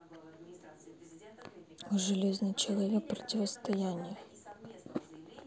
железный человек противостояние